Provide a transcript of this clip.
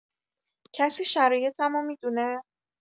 کسی شرایطمو می‌دونه؟